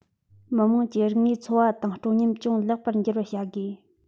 མི དམངས ཀྱི རིག གནས འཚོ བ དང སྤྲོ ཉམས ཅུང ལེགས པར འགྱུར བར བྱ དགོས